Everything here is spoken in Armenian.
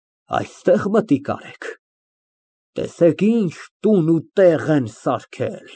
Այստեղ մտիկ արեք, տեսեք ինչ տուն ու տեղ եմ սարքել։